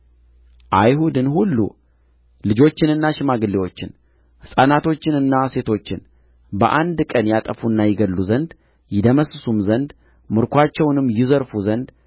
አይሁድን ሁሉ ልጆችንና ሽማግሌዎችን ሕፃናቶችንና ሴቶችን በአንድ ቀን ያጠፉና ይገድሉ ዘንድ ይደመስሱም ዘንድ ምርኮአቸውንም ይዘርፉ ዘንድ